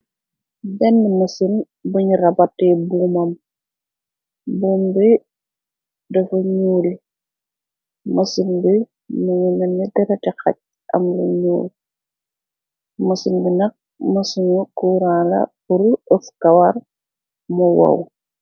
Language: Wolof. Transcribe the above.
Beenë nn mësin buñu rabate buumam. Buum bi dafa ñuul mësin bi mu ngi melni dereeti xaj, am lu ñuul. Mësin bi nak mësinu kuraan la pur dëf kawar mu wow.